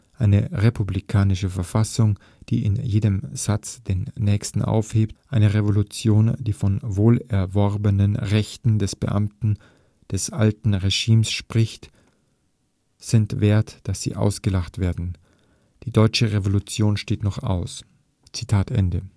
Eine republikanische Verfassung, die in jedem Satz den nächsten aufhebt, eine Revolution, die von wohlerworbenen Rechten des Beamten des alten Regimes spricht, sind wert, daß sie ausgelacht werden. Die deutsche Revolution steht noch aus. Eine